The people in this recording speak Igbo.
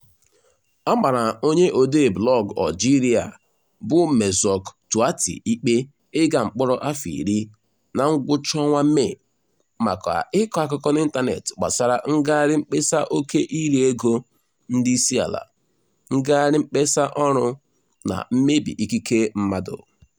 A mara onye odee blọọgụ Algerịa bụ Merzoug Touati ikpe ịga mkpọrọ afọ iri na ngwụcha ọnwa Mee maka ịkọ akụkọ n'ịntanetị gbasara ngagharị mkpesa oke iriego ndị isiala, ngagharị mkpesa ọrụ, na mmebi ikike mmadụ.